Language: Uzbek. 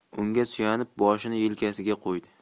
unga suyanib boshini yelkasiga qo'ydi